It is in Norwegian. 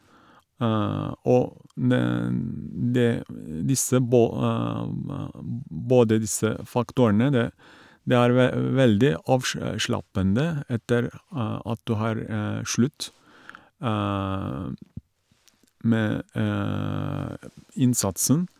Og n det disse bå både disse faktorene, det det er ve veldig avsj slappende etter at du har slutt med innsatsen.